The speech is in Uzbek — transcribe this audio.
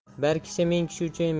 bir kishi ming kishi uchun